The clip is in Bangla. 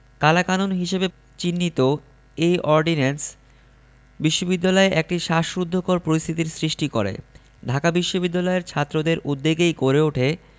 কালাকানুন হিসেবে চিহ্নিত এ অর্ডিন্যান্স বিশ্ববিদ্যালয়ে একটি শ্বাসরুদ্ধকর পরিস্থিতির সৃষ্টি করে ঢাকা বিশ্ববিদ্যালয়ের ছাত্রদের উদ্যোগেই গড়ে উঠে